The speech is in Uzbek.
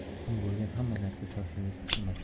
muhim bo'lgan hamma narsa shoshilinch emas